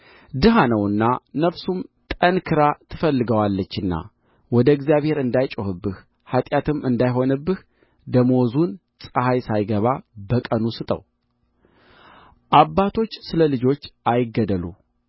ድሀ ነውና ነፍሱም ጠንክራ ትፈልገዋለችና ወደ እግዚአብሔር እንዳይጮኽብህ ኃጢአትም እንዳይሆንብህ ደመወዙን ፀሐይ ሳይገባ በቀኑ ስጠው አባቶች ስለ ልጆች አይገደሉ